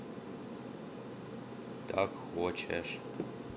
так хочешь